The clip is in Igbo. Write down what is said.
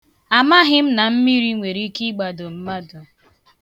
Amaghị m na mmiri nwere ike ịgbadọ mmadụ.